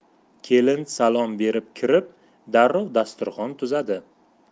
kelin salom berib kirib darrov dasturxon tuzadi